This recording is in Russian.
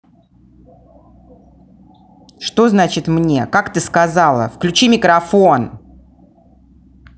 что значит мне как ты сказала включи микрофон